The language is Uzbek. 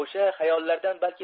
osha hayollardan balki